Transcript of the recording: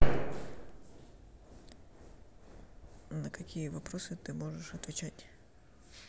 на какие вопросы ты можешь отвечать